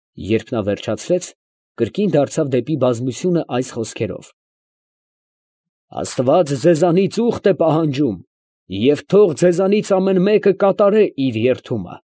Երբ վերջացրեց նա, կրկին դարձավ դեպի բազմությունը այս խոսքերով. «Աստված ձեզանից ուխտ է պահանջում, և թո՛ղ ձեզանից ամեն մեկը կատարե իր երդումը»։